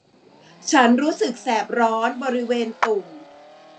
ฉันรู้สึกแสบร้อนบริเวณตุ่ม